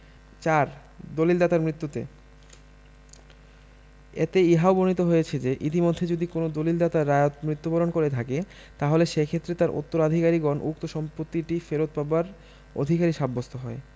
৪ দলিল দাতার মৃত্যুতে এতে ইহাও বর্ণিত হয়েছে যে ইতমধ্যে যদি কোন দলিলদাতা রায়ত মৃত্যুবরণ করে থাকে তাহলে সেক্ষেত্রে তার উত্তরাধিকারীগণ উক্ত সম্পত্তিটি ফেরত পাবার অধিকারী সাব্যস্ত হয়